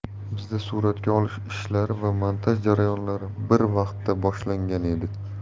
bizda suratga olish ishlari va montaj jarayonlari bir vaqtda boshlangan edi